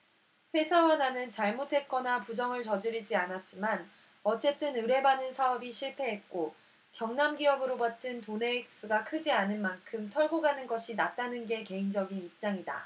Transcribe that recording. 회사와 나는 잘못했거나 부정을 저지르지 않았지만 어쨌든 의뢰받은 사업이 실패했고 경남기업으로부터 받은 돈의 액수가 크지 않은 만큼 털고 가는 것이 낫다는 게 개인적인 입장이다